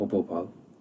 o bobol